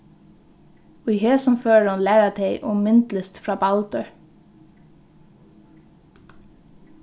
í hesum førinum læra tey um myndlist frá baldur